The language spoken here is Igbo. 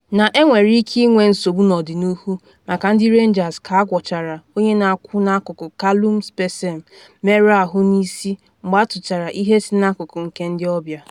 Na enwere ike inwe nsogbu n’ọdịnihu maka ndị Rangers ka agwọchara onye na-akwụ n’akụkụ Calum Spencem merụ ahụ n’isi, mgbe atụchara ihe si n’akụkụ nke ndị ọbịa.